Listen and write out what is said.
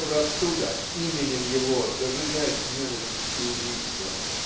чтобы оттуда именем Его зажигать ненависть и убийство